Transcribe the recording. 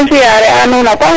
siare a nuuna paax